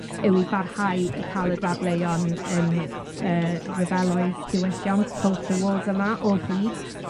yw i barhau i ca'l y dadleuon yn yy ryfeloedd diwylliant, culture wars yma, o hyd.